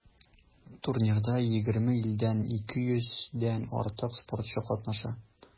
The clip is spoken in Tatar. Турнирда 20 илдән 200 дән артык спортчы катнаша.